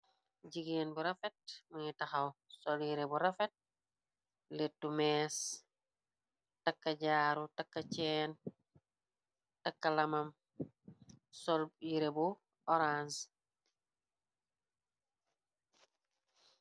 Jigeen bu rafet mongi taxaw sol yire bu rafet littu mees takka jaaru takka ceen takka lamam sol yire bu orance.